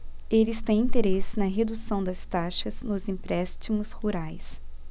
eles têm interesse na redução das taxas nos empréstimos rurais